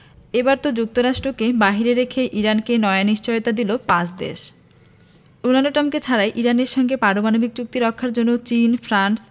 এবার তো যুক্তরাষ্ট্রকে বাইরে রেখেই ইরানকে নয়া নিশ্চয়তা দিল পাঁচ দেশ ডোনাল্ড ট্রাম্পকে ছাড়াই ইরানের সঙ্গে পারমাণবিক চুক্তি রক্ষার জন্য চীন ফ্রান্স